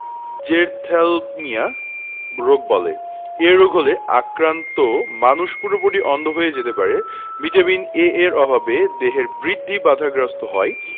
xerophthalmia রোগ বলে এই রোগ হলে আক্রান্ত মানুষ পুরোপুরি অন্ধ হয়ে যেতে পারে ভিটামিন A এর অভাবে দেহের বৃদ্ধি বাধাপ্রাপ্ত হয়